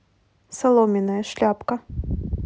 соломенная шляпка